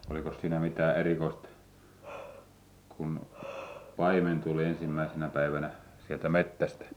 olikos siinä mitään erikoista kun paimen tuli ensimmäisenä päivänä sieltä metsästä